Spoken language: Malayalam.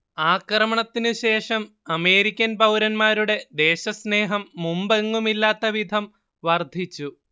ആക്രമണത്തിനു ശേഷം അമേരിക്കൻ പൗരന്മാരുടെ ദേശസ്നേഹം മുമ്പെങ്ങുമില്ലാത്ത വിധം വർദ്ധിച്ചു